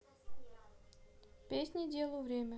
песня делу время